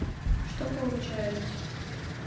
что получается